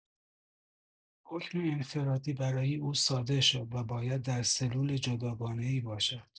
حکم انفرادی برای او صادر شد و باید در سلول جداگانه‌ای باشد.